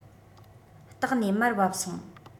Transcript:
སྟེགས ནས མར བབས སོང